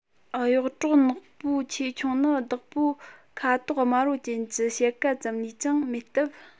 གཡོག གྲོག ནག པོའི ཆེ ཆུང ནི བདག པོ ཁ དོག དམར པོ ཅན གྱི ཕྱེད ཀ ཙམ ལས ཀྱང མེད སྟབས